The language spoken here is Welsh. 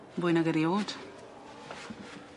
Fwy nag eriôd.